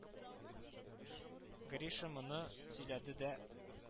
Гриша моны сөйләде дә: